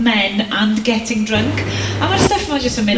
men and getting drunk a ma'r stuff ma' jyst yn mynd...